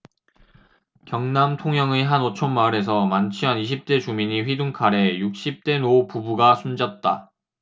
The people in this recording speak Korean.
경남 통영의 한 어촌마을에서 만취한 이십 대 주민이 휘둔 칼에 육십 대 노부부가 숨졌다